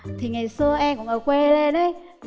thì ngày xưa em cũng ở quê lên